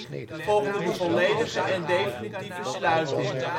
volgde de volledige en definitieve sluiting